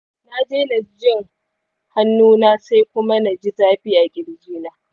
na daina jin hannu na sai kuma naji zafi a ƙirji na